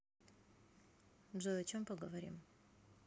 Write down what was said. джой о чем поговорим